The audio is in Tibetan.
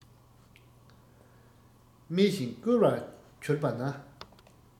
སྨྲས ཤིང བསྐུལ བར གྱུར པ ན